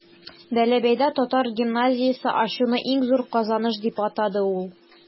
Бәләбәйдә татар гимназиясе ачуны иң зур казаныш дип атады ул.